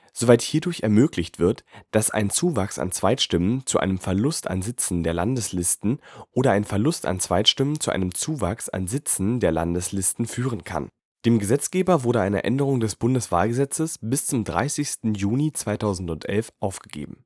soweit hierdurch ermöglicht wird, dass ein Zuwachs an Zweitstimmen zu einem Verlust an Sitzen der Landeslisten oder ein Verlust an Zweitstimmen zu einem Zuwachs an Sitzen der Landeslisten führen kann. “Dem Gesetzgeber wurde eine Änderung des Bundeswahlgesetzes bis zum 30. Juni 2011 aufgegeben